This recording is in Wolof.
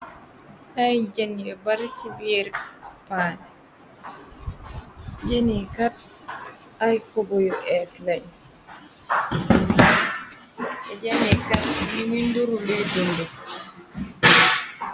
Tay janyu bari ci biir paane, jeni kat ay kob yu ees leen , bey e jeni kat nimi nduru lii dun ndu.